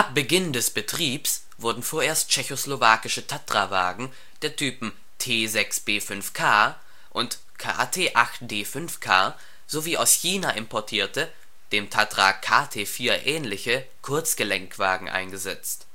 Beginn des Betriebs wurden vorerst tschechoslowakische Tatra-Wagen der Typen T6B5K und KT8D5K sowie aus China importierte – dem Tatra KT4 ähnliche – Kurzgelenkwagen, eingesetzt